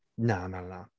Na na na.